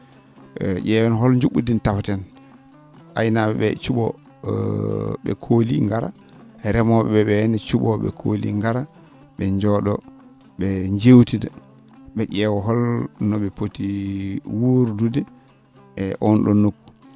eyyi ?eewen hol nju??udi ndi takoten ayna?e?e cu?oo ?e koolii ngara remoo?e ?ee ne cu?oo ?e koolii ngara ?e njoo?o ?e njewtida ?e ?eewa holno poti wuurdude e oon ?on nokku